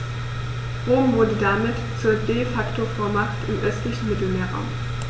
Rom wurde damit zur ‚De-Facto-Vormacht‘ im östlichen Mittelmeerraum.